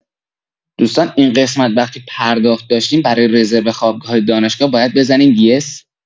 دوستان این قسمت وقتی پرداخت داشتیم برا رزرو خوابگاه دانشگاه باید بزنیم yes؟